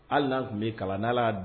Hali n'a tun bɛ kalan na n' Allah y'a